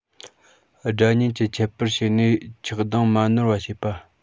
དགྲ གཉེན གྱི ཁྱད པར ཕྱེ ནས ཆགས སྡང མ ནོར བ བྱེད པ